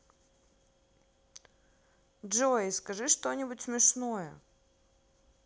джой скажи что нибудь смешное